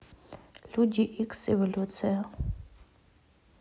люди икс эволюция